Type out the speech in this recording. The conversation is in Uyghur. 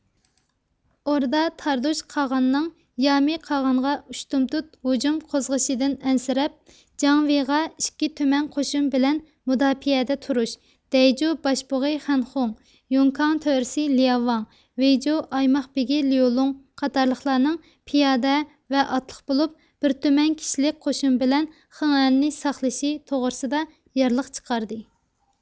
ئوردا تاردۇش قاغاننىڭ يامى قاغانغا ئۇشتۇمتۇت ھۇجۇم قوزغىشىدىن ئەنسىرەپ جاڭۋغا ئىككى تۈمەن قوشۇن بىلەن مۇداپىئەدە تۇرۇش دەيجۇ باشبۇغى خەنخوڭ يوڭكاڭ تۆرىسى لىياۋۋاڭ ۋېيجۇۋ ئايماق بېگى ليۇلوڭ قاتارلىقلارنىڭ پىيادە ۋە ئاتلىق بولۇپ بىر تۈمەن كىشىلىك قوشۇن بىلەن خېڭئەننى ساقلىشى توغرىسىدا يارلىق چىقاردى